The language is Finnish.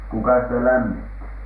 kuka sitä lämmitti